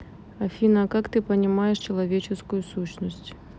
афина а как ты понимаешь человеческую сущность